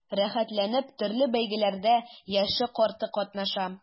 Рәхәтләнеп төрле бәйгеләрдә яше-карты катнаша.